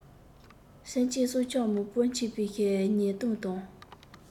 སེམས ཅན སྲོག ཆགས མང པོ འཚིགས པའི ཉེས ལྟུང དང